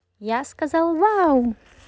я сказал вау